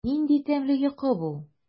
Нинди тәмле йокы бу!